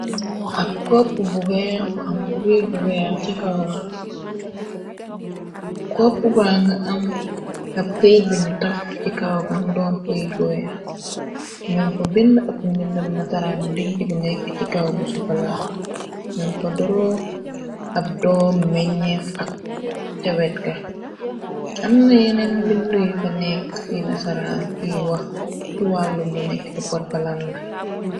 Bkopp baanga am ab këyit biñu taf ci kawga mu doon koyir guweer ñoom fa bind ab mbindam na taraan yu dij bu nekk ci kaw bu sokola ñoom fa doroo ab doo mi meñeef ak cawetka am na yeneen mbinduyu fa nekk yina saraan yuy wax ci wàllum lu nekk te pot balam la.